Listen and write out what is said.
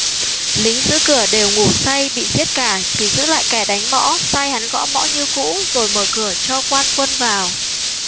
lính giữ cửa đều ngủ say bị giết cả chỉ giữ lại kẻ đánh mõ sai hắn gõ mõ như cũ rồi mở cửa cho quan quân vào